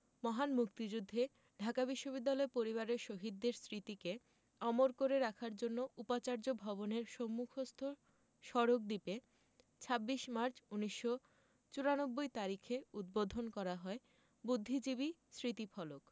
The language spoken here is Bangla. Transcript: মহান মুক্তিযুদ্ধে ঢাকা বিশ্ববিদ্যালয় পরিবারের শহীদদের স্মৃতিকে অমর করে রাখার জন্য উপাচার্য ভবনের সম্মুখস্থ সড়ক দ্বীপে ২৬ মার্চ ১৯৯৪ তারিখে উদ্বোধন করা হয় বুদ্ধিজীবী স্মৃতিফলক